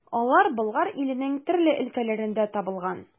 Алар Болгар иленең төрле өлкәләрендә табылган.